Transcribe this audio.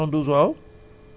672 waaw